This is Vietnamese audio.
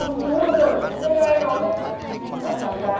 đồn vớ đồn vẩn em nghe ai nói đấy ừm lát tan ca